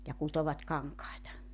ja kutoivat kankaita